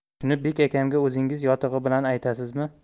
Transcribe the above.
shuni bek akamga o'zingiz yotig'i bilan aytasizmi